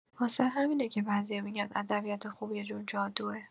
واسه همینه که بعضیا می‌گن ادبیات خوب یه جور جادوئه.